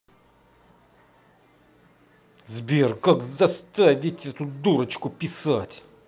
сбер как заставить эту дурочку писать